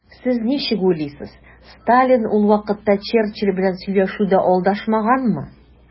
Сез ничек уйлыйсыз, Сталин ул вакытта Черчилль белән сөйләшүдә алдашмаганмы?